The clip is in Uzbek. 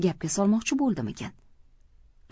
gapga solmoqchi bo'ldimikin